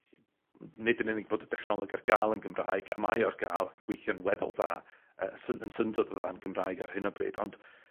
n- nid yn unig bod y dechnoleg ar ga'l yn Gymraeg, mae o ar gael, gweithio'n weddol dda, yy syn- yn syndod o dda yn Gymraeg ar hyn o bryd, ond,